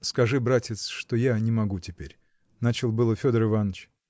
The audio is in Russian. -- Скажи, братец, что я не могу теперь. -- начал было Федор Иваныч.